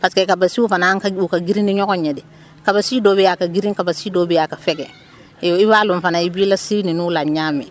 parce que